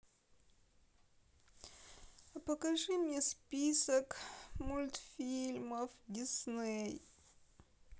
а покажи мне список мультфильмов дисней